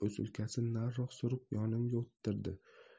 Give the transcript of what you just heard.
u sumkasini nariroq surib yonimga o'tirdi